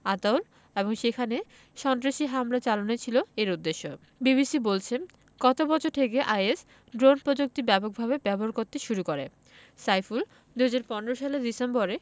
আতাউল এবং সেখানে সন্ত্রাসী হামলা চালানোই ছিল এর উদ্দেশ্য বিবিসির বলছে গত বছর থেকে আইএস ড্রোন প্রযুক্তি ব্যাপকভাবে ব্যবহার করতে শুরু করে সাইফুল ২০১৫ সালের ডিসেম্বরে